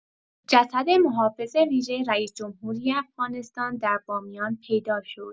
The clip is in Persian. جسد محافظ ویژه رئیس‌جمهوری افغانستان در بامیان پیدا شد